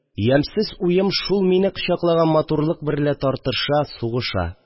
Ямьсез ем шул мине кочаклаган матурлык берлә тартыша, сугыша